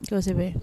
Kosɛbɛ.